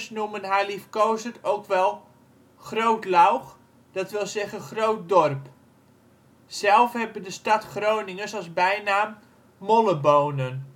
noemen haar liefkozend ook wel " Groot Loug ", dat wil zeggen " Groot Dorp ". Zelf hebben de stad-Groningers als bijnaam: mollebonen